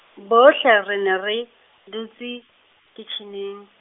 bohle re ne re, dutse, kitjhineng.